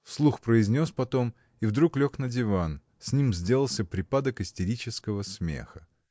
— вслух произнес потом и вдруг лег на диван: с ним сделался припадок истерического смеха.